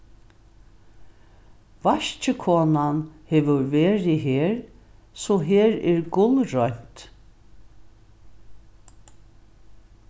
vaskikonan hevur verið her so her er gullreint